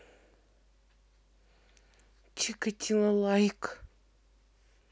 чикатило лайк